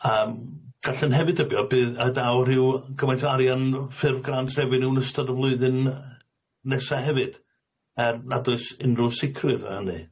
Yym gallwn hefyd dybio bydd a- daw rhyw gymaint o arian ffurf grant revenue yn ystod y flwyddyn nesa hefyd er nad oes unryw sicrwydd o hynny.